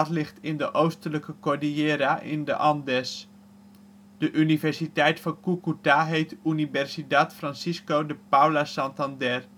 ligt in de Oostelijke Cordillera in de Andes. De universiteit van Cúcuta heet Universidad Francisco de Paula Santander